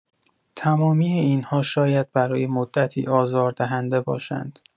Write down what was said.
تمامی این‌ها شاید برای مدتی آزاردهنده باشند.